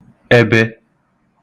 ebe